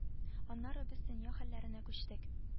Аннары без дөнья хәлләренә күчтек